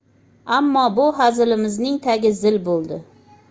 ammo bu hazilimizning tagi zil bo'ldi